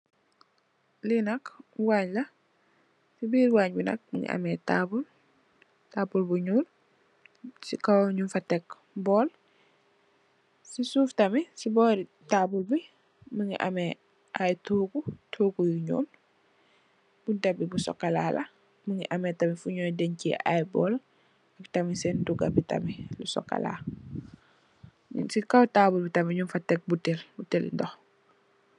Lii nak waañ la, si biir waañ bi nak, mu ngi amee, taabul, taabul bu ñuul, si kow ñung fa tek bool, si suuf tamit si boori taabul bi, mu ngi amee ay toogu yu ñuul, bunta bi bu sokolaa la, mu ngi tamit fu ñuy deñ cee ay bool, ak tamit seen ndugga bi tamit, bu sokolaa la, si kow taabul bi tamit ñung fa tek, butel, buteli ndox.